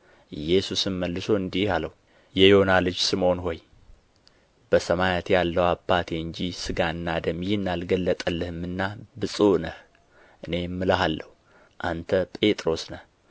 ኢየሱስም መልሶ እንዲህ አለው የዮና ልጅ ስምዖን ሆይ በሰማያት ያለው አባቴ እንጂ ሥጋና ደም ይህን አልገለጠልህምና ብፁዕ ነህ እኔም እልሃለሁ አንተ ጴጥሮስ ነህ